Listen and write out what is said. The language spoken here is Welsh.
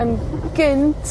yn gynt